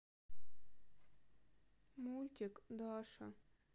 мультик даша